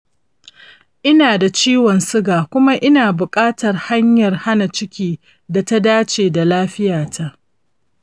ina da ciwon suga kuma ina bukatar hanyar hana ciki da ta dace da lafiya ta.